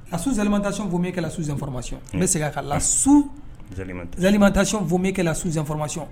A suzalimadac fɔme la suzsan foromati n bɛ se ka ka la sualilidac fɔkɛlala suzfmati